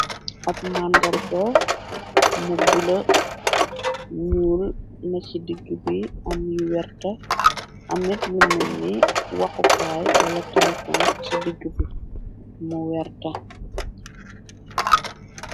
Ab màndarga mu bulu nuul na ci diggi bi am yu werta amit lu menni waxukaay wala telefon ci diggivbi mu werta.